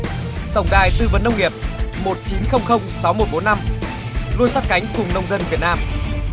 tổng đài tư vấn nông nghiệp một chín không không sáu một bốn năm luôn sát cánh cùng nông dân việt nam